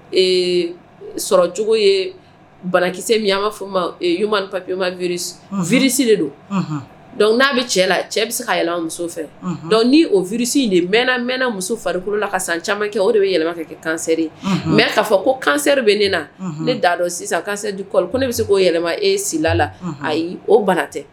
Ee sɔrɔ cogo ye banakisɛ min fɔpma vsi de don dɔnku n'a bɛ cɛ la cɛ bɛ se ka yɛlɛ muso fɛ ni o visi dena mɛnna muso fari la ka san camankɛ o de bɛ yɛlɛma ka kɛ kansɛri mɛ'a fɔ ko kansɛri bɛ ne na ne'dɔ sisan kansɛ ko ne bɛ se k'o yɛlɛma e sila la ayi o bara tɛ